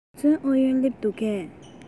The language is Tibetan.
ངལ རྩོལ ཨུ ཡོན སླེབས འདུག གས